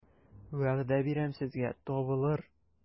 Вәгъдә бирәм сезгә, табылыр...